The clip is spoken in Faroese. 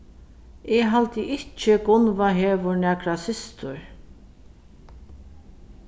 eg haldi ikki gunnvá hevur nakra systur